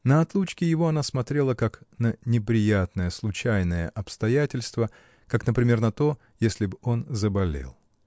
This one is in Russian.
На отлучки его она смотрела как на неприятное, случайное обстоятельство, как, например, на то, если б он заболел.